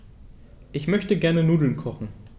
Ich möchte gerne Nudeln kochen.